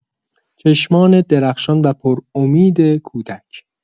چشمان درخشان و پر امید کودک